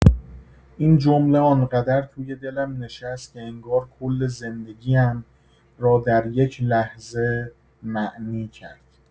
این جمله آن‌قدر توی دلم نشست که انگار کل زندگی‌ام را در یک‌لحظه معنی کرد.